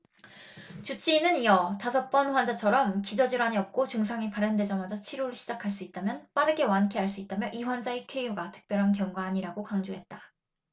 주치의는 이어 다섯 번 환자처럼 기저 질환이 없고 증상이 발현되자마자 치료를 시작할 수 있다면 빠르게 완쾌할 수 있다며 이 환자의 쾌유가 특별한 경우가 아니라고 강조했다